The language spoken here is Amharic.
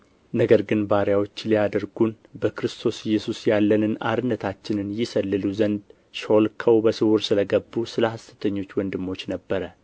ነገር ግን ባሪያዎች ሊያደርጉን በክርስቶስ ኢየሱስ ያለንን አርነታችንን ይሰልሉ ዘንድ ሾልከው በስውር ስለ ገቡ ስለ ሐሰተኞች ወንድሞች ነበረ